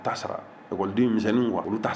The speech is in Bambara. U t'a sara école den misɛninw wa ? Olu t'a